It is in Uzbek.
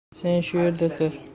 sen shu yerda tur